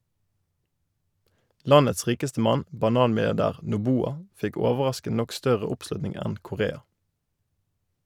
Landets rikeste mann, bananmilliardær Noboa, fikk overraskende nok større oppslutning enn Correa.